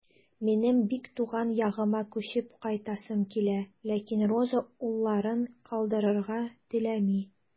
Минем бик туган ягыма күчеп кайтасым килә, ләкин Роза улларын калдырырга теләми.